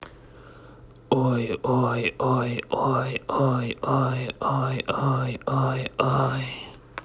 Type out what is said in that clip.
ой ой ой ой ой ой ой ой ой